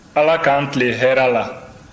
ala k'an tilen hɛrɛ la